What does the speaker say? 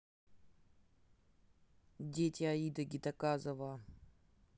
дети аида гетогазова